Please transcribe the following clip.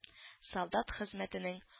Солдат хезмәтенең